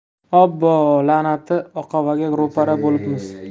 obbo lanati oqavaga ro'para bo'libmiz